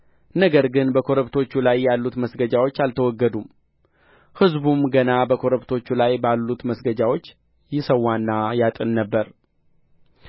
ነገር ግን በኮረብቶቹ ላይ ያሉት መስገጃዎች አልተወገዱም ሕዝቡም ገና በኮረብቶቹ ላይ ባሉት መስገጃዎች ይሠዋና ያጥን ነበር